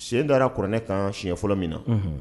Sendara kuranɛ kan siɲɛ fɔlɔ min na